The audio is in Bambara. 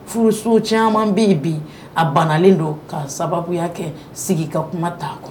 Furuso caaman bɛ ye bi a banalen don ka sababuya kɛ sigi ka kuma t'a kɔ